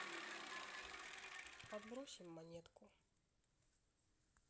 подбросим монетку